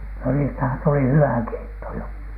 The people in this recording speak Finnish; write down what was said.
no niistähän tuli hyvä keitto jo